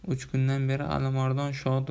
uch kundan beri alimardon shod